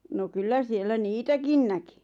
no kyllä siellä niitäkin näki